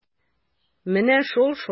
Менә шул-шул!